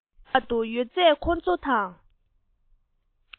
འོག ཏུ ཡོད ཚད ཁོ ཚོ དང